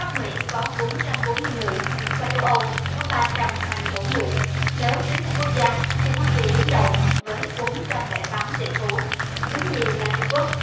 bắc mỹ có bốn trăm bốn mươi người và châu âu có ba trăm hai mươi bốn người nếu tính theo quốc gia thì hoa kỳ đứng đầu với bốn trăm lẻ tám tỷ phú đứng nhì là trung quốc